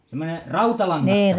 semmoinen rautalangasta